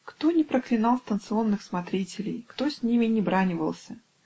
Кто не проклинал станционных смотрителей, кто с ними не бранивался?